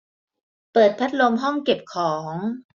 เปิดพัดลมห้องเก็บของ